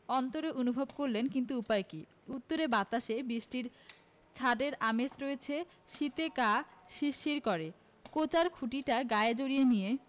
অন্তরে অনুভব করলেন কিন্তু উপায় কি উত্তরে বাতাসে বৃষ্টির ছাঁটের আমেজ রয়েছে শীতে গা শিরশির করে কোঁচার খুঁটটা গায়ে জড়িয়ে নিয়ে